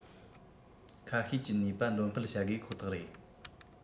ཁ ཤས ཀྱི ནུས པ འདོན སྤེལ བྱ དགོས ཁོ ཐག རེད